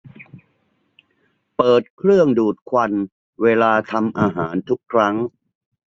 เปิดเครื่องดูดควันเวลาทำอาหารทุกครั้ง